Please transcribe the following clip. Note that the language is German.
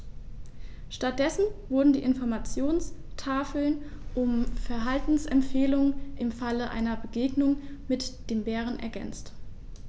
Stattdessen wurden die Informationstafeln um Verhaltensempfehlungen im Falle einer Begegnung mit dem Bären ergänzt.